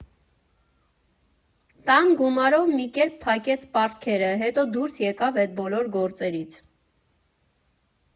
Տան գումարով մի կերպ փակեց պարտքերը, հետո դուրս եկավ էդ բոլոր գործերից…